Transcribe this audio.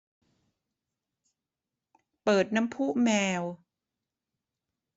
เปิดน้ำพุแมว